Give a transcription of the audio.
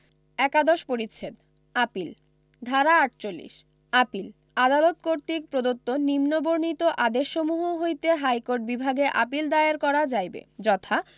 একাদশ পরিচ্ছেদ আপীল ধারা ৪৮ আপীল আদালত কর্তৃক প্রদত্ত নিম্নবর্ণিত আদেশসমূহ হইতে হাইকোর্ট বিভাগে আপীল দায়ের করা যাইবে যথা